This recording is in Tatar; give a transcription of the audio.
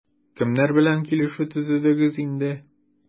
Кемнәр белән килешү төзедегез инде?